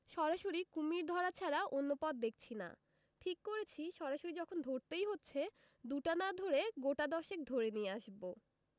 সরাসরি কুমীর ধরা ছাড়া অন্য পথ দেখছি না ঠিক করেছি সরাসরি যখন ধরতেই হচ্ছে দুটা না ধরে গোটা দশেক ধরে নিয়ে আসব